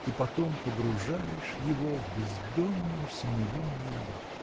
и потом погружаешь его в бездонную синеву неба.